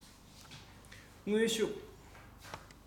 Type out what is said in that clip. དངོས ཤུགས